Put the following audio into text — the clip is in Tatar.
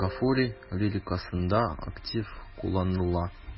Гафури лирикасында актив кулланыла.